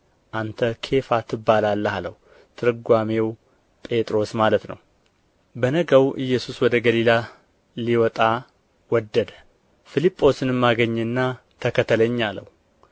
አንተ ኬፋ ትባላለህ አለው ትርጓሜው ጴጥሮስ ማለት ነው በነገው ኢየሱስ ወደ ገሊላ ሊወጣ ወደደ ፊልጶስንም አገኘና ተከተለኝ አለው